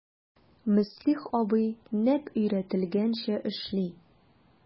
Мөслих абый нәкъ өйрәтелгәнчә эшли...